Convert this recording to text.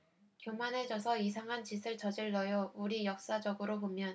교만해져서 이상한 짓을 저질러요 우리 역사적으로 보면